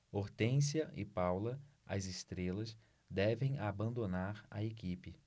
hortência e paula as estrelas devem abandonar a equipe